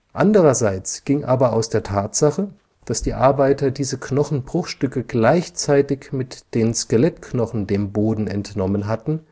Andererseits ging aber aus der Tatsache, daß die Arbeiter diese Knochenbruchstücke gleichzeitig mit den Skelettknochen dem Boden entnommen hatten